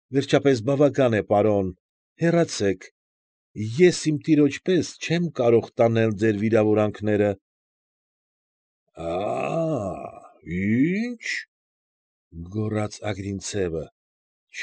Վերջապես, բավական է, պարոն, հեռացեք, ես իմ տիրոջ պես չեմ կարող տանել ձեր վիրավորանքները։ ֊ Աա՞, ի՞նչ,֊ գոռաց Ագրինցևը,֊